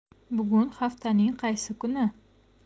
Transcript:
bugun haftaning qaysi kuni